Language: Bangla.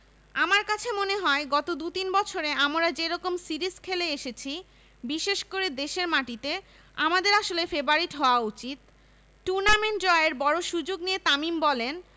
আমার কাছে মনে হয় গত দু তিন বছরে আমরা যে রকম সিরিজ খেলে এসেছি বিশেষ করে দেশের মাটিতে আমাদের আসলে ফেবারিট হওয়া উচিত টুর্নামেন্ট জয়ের বড় সুযোগ নিয়ে তামিম বলেন